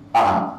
Ann